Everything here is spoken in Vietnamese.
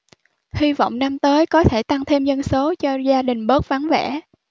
hi vọng năm tới có thể tăng thêm dân số cho gia đình bớt vắng vẻ